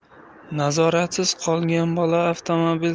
nazoratsiz qolgan bola avtomobil